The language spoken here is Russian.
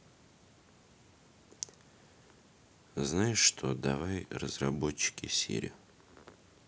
знаешь что давай разработчики сири